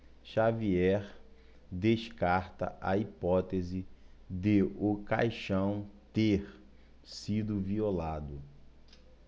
xavier descarta a hipótese de o caixão ter sido violado